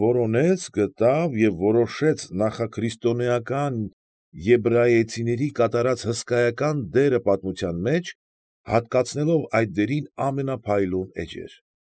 Որոնեց, գտավ և որոշեց նախաքրիստոնեական եբրայեցիների կատարած հսկայական դերը պատմության մեջ, հատկացնելով այդ դերին ամենափայլուն էջեր։